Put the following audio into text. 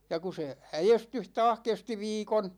ja kun se äestys taas kesti viikon